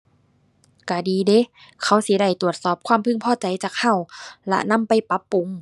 ก็ดีเดะ เขาสิได้ตรวจสอบความพึงพอใจจากก็ และนำไปปรับปรุง